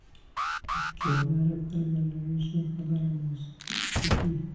ikkovlari bir biriga shu qadar munosib ediki